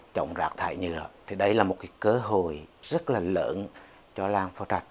chống rác thải nhựa thì đây là một cái cơ hội rất là lớn cho làng phò trạch